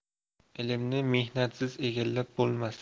ilmni mehnatsiz egallab bo'lmas